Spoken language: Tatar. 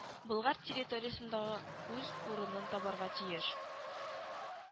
Болгар территориясендә үз урынын табарга тиеш